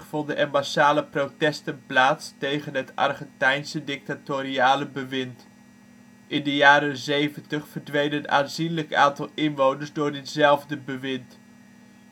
vonden er massale protesten plaats tegen het Argentijnse dictatoriale bewind. In de jaren 70 verdween een aanzienlijk aantal inwoners door ditzelfde bewind.